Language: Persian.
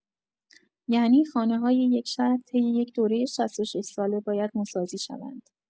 یعنی خانه‌های یک شهر طی یک دورۀ ۶۶ساله باید نوسازی شوند.